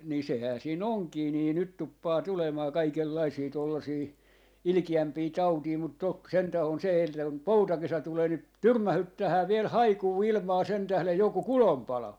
niin sehän siinä onkin niin nyt tuppaa tulemaan kaikenlaisia tuollaisia ilkeämpiä tauteja mutta toki sentään on se eltä kun poutakesä tulee niin tyrmähdyttää vielä haikua ilmaan sen tähden joku kulonpalo